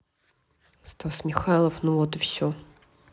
стас михайлов ну вот и все